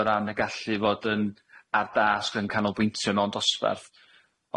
o ran y gallu i fod yn ar dasg yn canolbwyntio mewn dosbarth